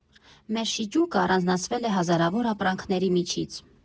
Մեր շիճուկը առանձնացվել է հազարավոր ապրանքների միջից։